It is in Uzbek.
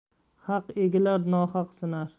haq egilar nohaq sinar